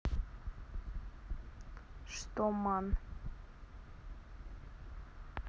что man